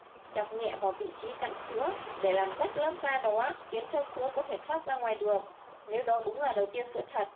chọc nhẹ vào vị trí cặn sữa để làm rách lớp da đó khiến cho sữa có thể thoát ra ngoài được nếu đó đúng là đầu tia sữa thật